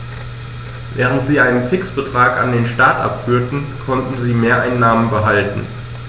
Während sie einen Fixbetrag an den Staat abführten, konnten sie Mehreinnahmen behalten.